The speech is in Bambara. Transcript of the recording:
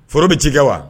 Foro bɛ ci kɛ wa